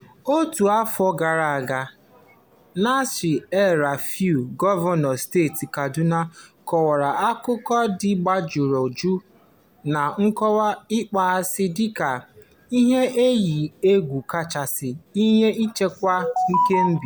Otu afọ gara aga, Nasir El-Rufai, gọvanọ steeti Kadụna, kọwara akụkọ adịgboroja na okwu ịkpọasị dịka "ihe iyi egwu kachasị" nye nchekwa kemba.